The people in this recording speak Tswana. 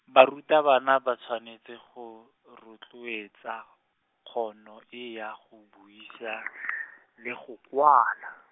barutabana ba tshwanetse go rotloetsa kgono e ya go buisa, le go kwala.